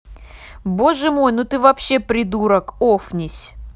боже мой ну ты вообще придурок офнись